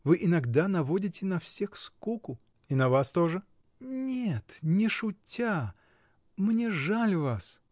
вы иногда наводите на всех скуку. — И на вас тоже? — Нет, не шутя, мне жаль вас.